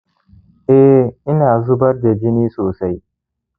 eh, ina zubar da jini sosai